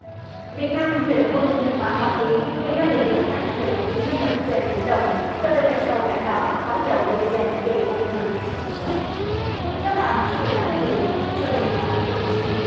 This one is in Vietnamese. việt nam khẳng định không tư nhân hóa báo chí việt nam đề nghị hợp tác thăm dò dầu khí với nhật trên biển đông đâm lâm ét ô cảnh báo khói dầu đi a den gây ung thư đó là một số tin đáng chú ý sau đây là bản tin chi tiết